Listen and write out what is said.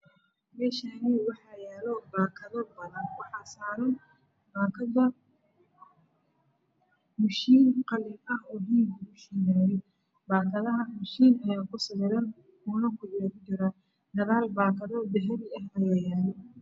Me Shani waxa iyalo baakado badan waxa saran bakada mi shiin qalin ah oohilib lagu shidaayo baakadaha mi shiin ayaa ku sawiran bulug ayeey kujiran gadaal baakado dahabi aya yalo